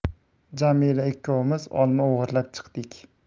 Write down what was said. jamila ikkovimiz olma o'g'irlab chiqdik